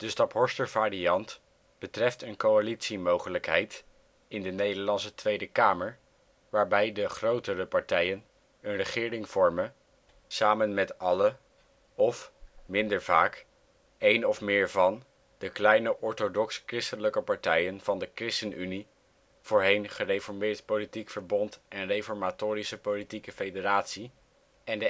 Staphorster variant betreft een coalitiemogelijkheid in de Nederlandse Tweede Kamer waarbij de grote (re) partijen een regering vormen samen met alle, of (minder vaak) één of meer van, de kleine orthodox-christelijke partijen van de ChristenUnie (voorheen Gereformeerd Politiek Verbond en Reformatorische Politieke Federatie) en